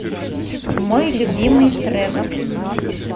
мой любимый трек